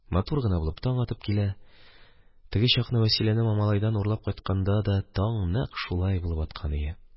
Матур гына булып таң атып килә, теге чакны, Вәсиләне Мамалайдан урлап кайтканда да, таң нәкъ шулай булып аткан иде.